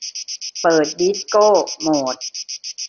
เปิดดิสโก้โหมด